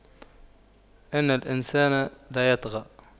إِنَّ الإِنسَانَ لَيَطغَى